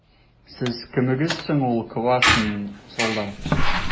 Сезнең кемегез соң ул Квашнин, асылда? ..